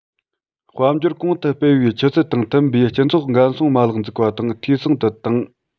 དཔལ འབྱོར གོང དུ སྤེལ བའི ཆུ ཚད དང མཐུན པའི སྤྱི ཚོགས འགན སྲུང མ ལག འཛུགས པ དང འཐུས ཚང དུ བཏང